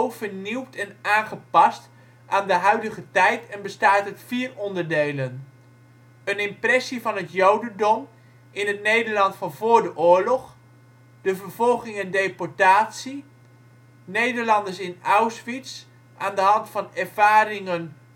vernieuwd en aangepast aan de huidige tijd en bestaat uit vier onderdelen: een impressie van het jodendom in het Nederland van voor de oorlog, de vervolging en deportatie, Nederlanders in Auschwitz aan de hand van ervaringen